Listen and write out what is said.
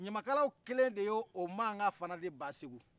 ɲamakalaw kelen de y'o o mankan fana de ban segu